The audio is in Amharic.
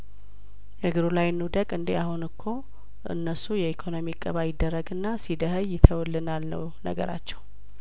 እግሩ ላይ እንውደቅ እንዴ አሁን እኮ እነሱ የኢኮኖሚ እቀባ ይደረግና ሲደኸይ ይተውልናል ነው ነገራቸው